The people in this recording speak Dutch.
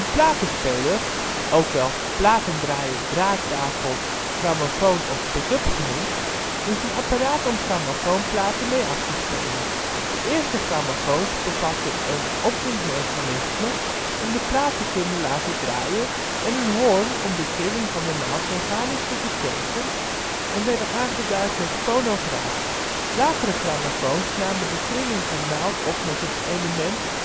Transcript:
platenspeler (ook platendraaier, draaitafel, grammofoon of pick-up) is een apparaat om grammofoonplaten mee af te spelen. De eerste grammofoons bevatten een opwindmechanisme om de plaat te kunnen laten draaien, en een hoorn om de trilling van de naald mechanisch te versterken, en werden aangeduid met fonograaf. Latere grammofoons namen de trilling van naald op met een element